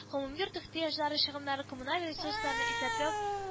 Гомумйорт ихтыяҗлары чыгымнары коммуналь ресурсларны исәпләү